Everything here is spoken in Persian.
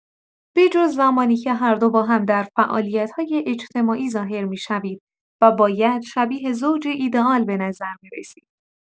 به‌جز زمانی که هر دو باهم در فعالیت‌های اجتماعی ظاهر می‌شوید و باید شبیه زوجی ایدآل به نظر برسید.